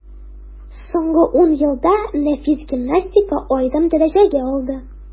Соңгы ун елда нәфис гимнастика аерым дәрәҗәгә алды.